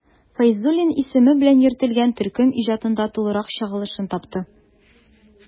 Фәйзуллин исеме белән йөртелгән төркем иҗатында тулырак чагылышын тапты.